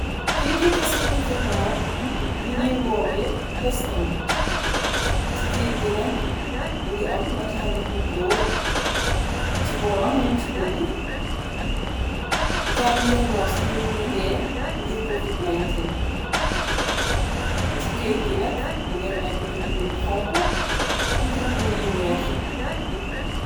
Kayit ti taskati xibaar bi nyi wowe de Standard, ci kayit bi nak mingi am nitali ko goor, ce boram nyun ci binde, Gambiya nus yi nyi ngi dee ngiir Covid-19, cii kayit gi nak mingi am ay binde binde yu xonxu, am binde binde yu weex